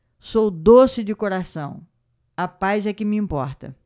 sou doce de coração a paz é que me importa